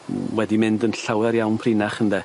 W- wedi mynd yn llawer iawn prinach ynde?